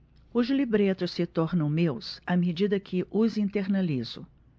os libretos se tornam meus à medida que os internalizo